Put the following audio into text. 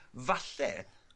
falle